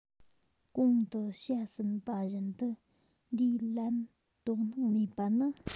གོང དུ བཤད ཟིན པ བཞིན དུ འདིའི ལན དོགས སྣང མེད པ ནི